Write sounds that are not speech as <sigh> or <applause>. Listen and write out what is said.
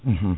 <hesitation> <hesitation>